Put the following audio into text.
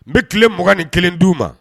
N bɛ tile 21 di'u ma.